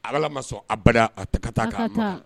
Ala ma sɔn a ba a ta ka taa k' a ta